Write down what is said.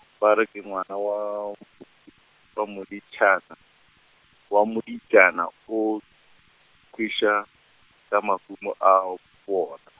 ba re ke ngwana wa , wa moditšana, wa moditšana o kweša, ka mahumo a ho, bona.